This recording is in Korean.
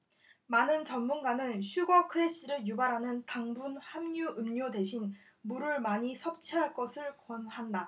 많은 전문가는 슈거 크래시를 유발하는 당분 함유 음료 대신 물을 많이 섭취할 것을 권한다